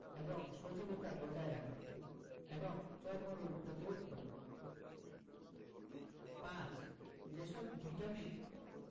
এবং সজীবতা বজায় রাখে এবং চর্মরোগ প্রতিরোধ করে ৫. যে সব ভিটামিন